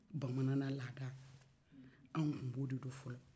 bamananan laada an tun b'o de don fɔlɔ